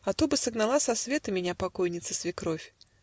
А то бы согнала со света Меня покойница свекровь.